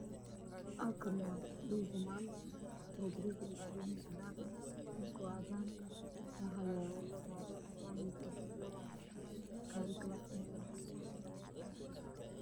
Waa waddo meeshaan waa waddo boor ah waxaa maraayo gaari waxaa ka dambeeyo bad